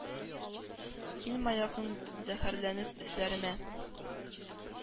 «килмә якын зәһәрләнеп өсләремә!